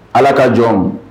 Ala ka jɔnw